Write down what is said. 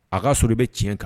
A ka sɔrɔ i bɛ tiɲɛ kan